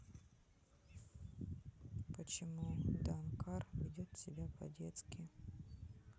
почему данкар ведет себя по детски